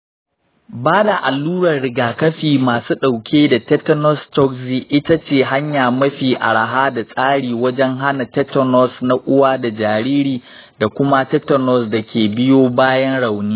ba da alluran rigakafi masu ɗauke da tetanus toxoid ita ce hanya mafi araha da tasiri wajen hana tetanus na uwa da jariri, da kuma tetanus da ke biyo bayan rauni.